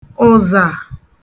ụ̀zà